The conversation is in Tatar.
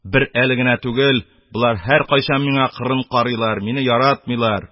Бер әле генә түгел, болар һәркайчан миңа кырын карыйлар, мине яратмыйлар